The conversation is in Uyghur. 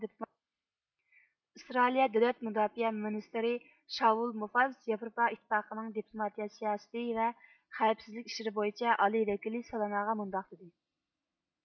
ئىسرائىلىيە دۆلەت مۇداپىئە مىنىستىرى شاۋۇل مۇفاز ياۋروپا ئىتتىپاقىنىڭ دىپلوماتىيە سىياسىتى ۋە خەۋپسىزلىك ئىشلىرى بويىچە ئالىي ۋەكىلى سولاناغا مۇنداق دېدى